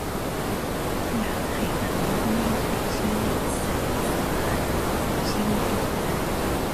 อยากให้การลงทุนเฮ็ดให้ชีวิตสะดวกสบาย ใช้ชีวิตเรียบง่าย